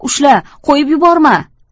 ushla qo'yib yuborma